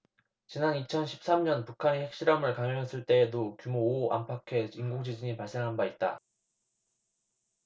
지난 이천 십 삼 년 북한이 핵실험을 감행했을 때에도 규모 오 안팎의 인공지진이 발생한 바 있다